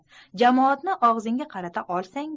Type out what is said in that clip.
jamoatni og'zingga qarata olsang